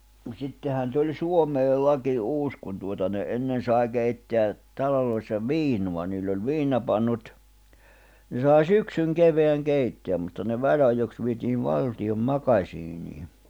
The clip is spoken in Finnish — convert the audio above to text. mutta sittenhän tuli Suomeen laki uusi kun tuota ne ennen sai keittää taloissa viinaa niillä oli viinapannut ne sai syksyn kevään keittää mutta ne väliajoiksi vietiin valtion makasiiniin